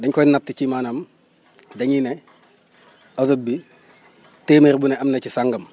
dañ koy natt ci maanaam dañuy ne azote bi téeméer bu ne am na ci sangam